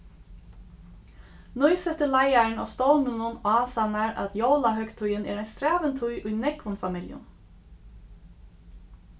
nýsetti leiðarin á stovninum ásannar at jólahøgtíðin er ein strævin tíð í nógvum familjum